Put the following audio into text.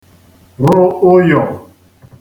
rụ ụyọ̀